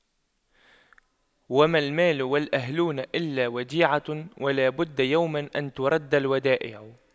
وما المال والأهلون إلا وديعة ولا بد يوما أن تُرَدَّ الودائع